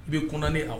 I bɛ kunɛ aw